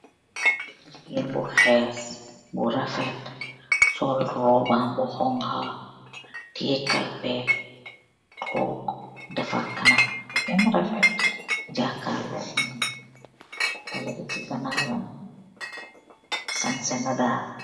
haleh bu hessy sol yehreh bu rafet.